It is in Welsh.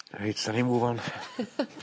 Reit 'dan ni move on.